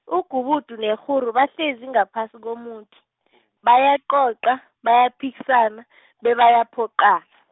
ugubudu nekghuru bahlezi ngaphasi komuthi, bayacoca, bayaphikisana , bebayaphoqana.